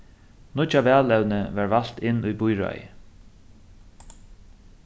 nýggja valevnið varð valt inn í býráðið